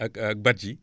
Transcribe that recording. ak ak ak Badji